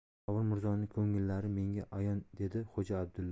bobur mirzoning ko'ngillari menga ayon dedi xo'ja abdulla